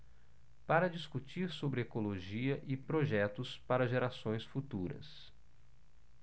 para discutir sobre ecologia e projetos para gerações futuras